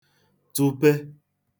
tụpe